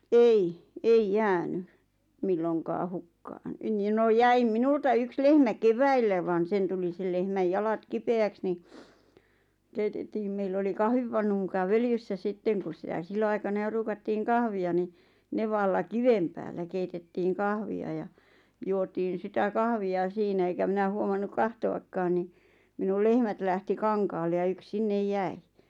ei ei jäänyt milloinkaan hukkaan niin no jäi minulta yksi lehmä keväällä vaan sen tuli sen lehmän jalat kipeäksi niin keitettiin meillä oli kahvipannu muka völjyssä sitten kun sitä silloinaikana jo ruukattiin kahvia niin nevalla kiven päällä keitettiin kahvia ja juotiin sitä kahvia siinä enkä minä huomannut katsoakaan niin minulla lehmät lähti kankaalle ja yksi sinne jäi